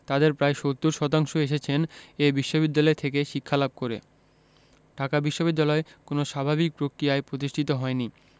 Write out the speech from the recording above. তাঁদের প্রায় ৭০ শতাংশ এসেছেন এ বিশ্ববিদ্যালয় থেকে শিক্ষালাভ করে ঢাকা বিশ্ববিদ্যালয় কোনো স্বাভাবিক প্রক্রিয়ায় প্রতিষ্ঠিত হয়নি